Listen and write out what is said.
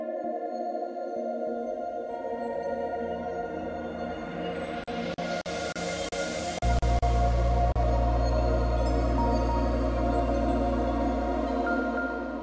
Wa